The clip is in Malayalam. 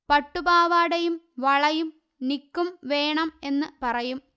പട്ടുപാവാടയും വളയും നിക്കും വേണം എന്ന്പറയും